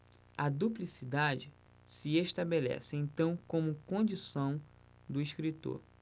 a duplicidade se estabelece então como condição do escritor